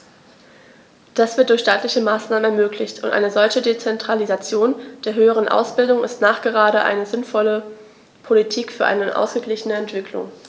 Das wird durch staatliche Maßnahmen ermöglicht, und eine solche Dezentralisation der höheren Ausbildung ist nachgerade eine sinnvolle Politik für eine ausgeglichene Entwicklung.